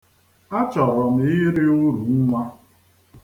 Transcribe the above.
Achọrọ m iri uru nnwa.